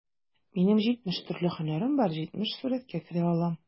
Минем җитмеш төрле һөнәрем бар, җитмеш сурәткә керә алам...